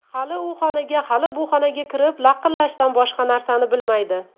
hali u xonaga hali bu xonaga kirib laqillashdan boshqa narsani bilmaydi